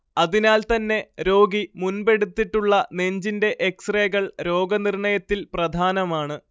അതിനാൽ തന്നെ രോഗി മുൻപെടുത്തിട്ടുള്ള നെഞ്ചിന്റെ എക്സ്റേകൾ രോഗനിർണയത്തിൽ പ്രധാനമാണ്‌